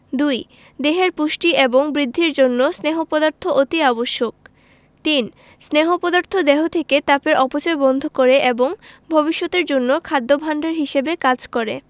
২ দেহের পুষ্টি এবং বৃদ্ধির জন্য স্নেহ পদার্থ অতি আবশ্যক ৩ স্নেহ পদার্থ দেহ থেকে তাপের অপচয় বন্ধ করে এবং ভবিষ্যতের জন্য খাদ্য ভাণ্ডার হিসেবে কাজ করে